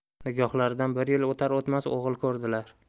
nikohlaridan bir yil o'tar o'tmas o'g'il ko'rdilar